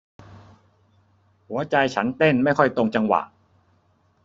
หัวใจฉันเต้นไม่ค่อยตรงจังหวะ